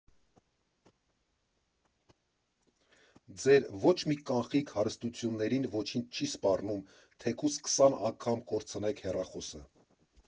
Ձեր ոչ կանխիկ հարստություններին ոչինչ չի սպառնում, թեկուզ քսան անգամ կորցնեք հեռախոսը։